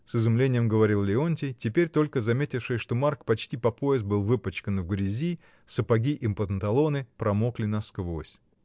— с изумлением говорил Леонтий, теперь только заметивший, что Марк почти по пояс был выпачкан в грязи, сапоги и панталоны промокли насквозь.